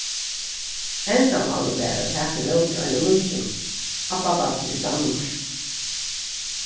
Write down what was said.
endamálið var at taka ímóti einum nýggjum abbabarni í danmark